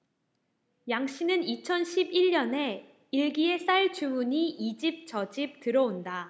양씨는 이천 십 일 년에 일기에 쌀 주문이 이집저집 들어온다